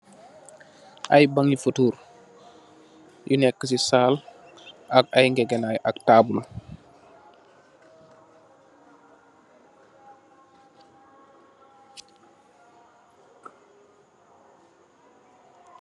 Aye bangi fotor, yu nek si saal, ak aye ngegenaay, ak table.